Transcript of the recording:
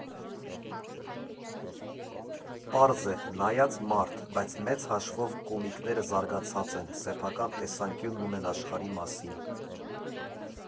Պարզ է՝ նայած մարդ, բայց մեծ հաշվով կոմիկները զարգացած են, սեփական տեսանկյունն ունեն աշխարհի մասին։